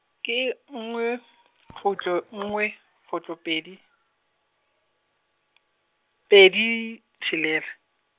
ke nngwe , khutlo nngwe, khutlo pedi , pedi, tshelela.